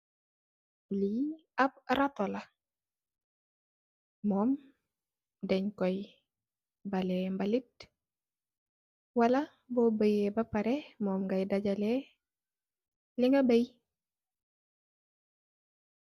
Ap rató la mum dajj Koy baleh mbalit Wala mbo bayeh ba barreh mum ngai dajaleh li nga bay.